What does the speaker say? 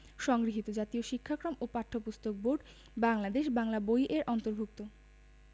সংগৃহীত জাতীয় শিক্ষাক্রম ও পাঠ্যপুস্তক বোর্ড বাংলাদেশ বাংলা বই এর অন্তর্ভুক্ত